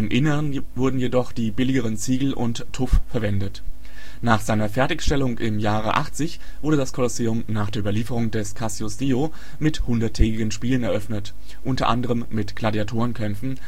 Inneren wurden jedoch die billigeren Ziegel und Tuff verwendet. Nach seiner Fertigstellung im Jahr 80 wurde das Kolosseum nach der Überlieferung des Cassius Dio mit hunderttägigen Spielen eröffnet, unter anderem mit Gladiatorenkämpfen